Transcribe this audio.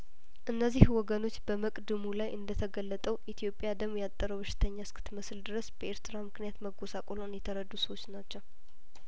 እነዚህ ወገኖች በመ ቅድሙ ላይ እንደ ተገለጠው ኢትዮጵያደም ያጠረው በሽተኛ እስክት መስል ድረስ በኤርትራ ምክንያት መጐሳቆልዋን የተረዱ ሰዎች ናቸው